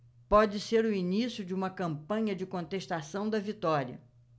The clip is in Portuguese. pode ser o início de uma campanha de contestação da vitória